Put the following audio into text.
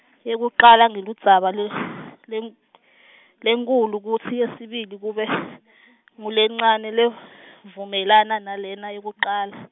yekucala ngulendzaba le- lenk- lenkhulu kutsi yesibili kube , ngulencane levumelana nalena yekucala.